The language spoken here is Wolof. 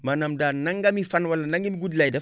maanaam daal nangam i fan wala nangam i guddi lay def